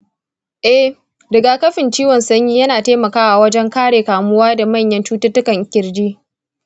eh, rigakafin ciwon sanyi yana taimakawa wajen kare kamuwa da manyan cututtukan ƙirji.